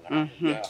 Unhun